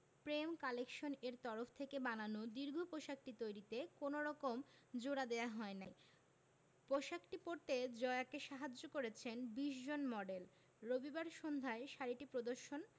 প্রেম collection এর তরফ থেকে বানানো দীর্ঘ পোশাকটি তৈরিতে কোনো রকম জোড়া দেয়া হয়নি পোশাকটি পরতে জয়াকে সাহায্য করেছেন ২০ জন মডেল রবিবার সন্ধ্যায় শাড়িটি প্রদর্শন